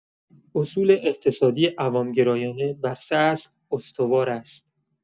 اصول اقتصادی عوام‌گرایانه بر سه اصل استوار است.